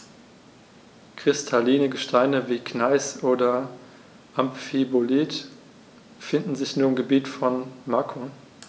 Kristalline Gesteine wie Gneis oder Amphibolit finden sich nur im Gebiet von Macun.